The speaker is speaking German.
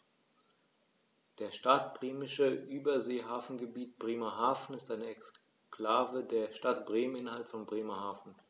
Das Stadtbremische Überseehafengebiet Bremerhaven ist eine Exklave der Stadt Bremen innerhalb von Bremerhaven.